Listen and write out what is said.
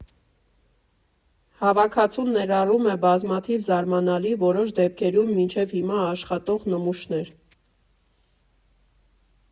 Հավաքածուն ներառում է բազմաթիվ զարմանալի, որոշ դեպքերում՝ մինչև հիմա աշխատող նմուշներ։